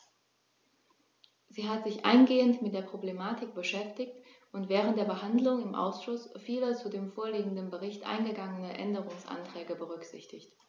Sie hat sich eingehend mit der Problematik beschäftigt und während der Behandlung im Ausschuss viele zu dem vorliegenden Bericht eingegangene Änderungsanträge berücksichtigt.